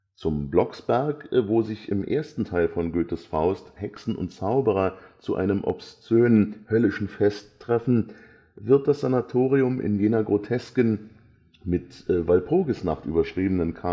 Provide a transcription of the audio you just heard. Zum Blocksberg, wo sich im ersten Teil von Goethes Faust Hexen und Zauberer zu einem obszön-höllischen Fest treffen, wird das Sanatorium in jener grotesken mit „ Walpurgisnacht “überschriebenen Karnevalsszene